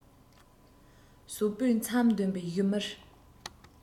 ཟོག པོའི མཚམ འདོན པའི བཞུ མར